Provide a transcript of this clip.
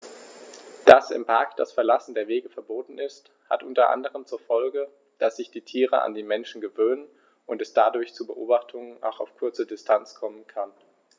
Dass im Park das Verlassen der Wege verboten ist, hat unter anderem zur Folge, dass sich die Tiere an die Menschen gewöhnen und es dadurch zu Beobachtungen auch auf kurze Distanz kommen kann.